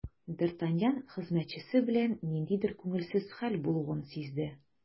Д’Артаньян хезмәтчесе белән ниндидер күңелсез хәл булуын сизде.